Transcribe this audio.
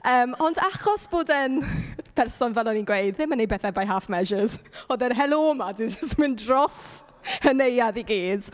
Yym, ond achos bod e'n person, fel o'n i'n gweud, ddim yn gwneud pethau by half measures, oedd yr helo 'ma 'di jyst mynd dros y neuadd i gyd.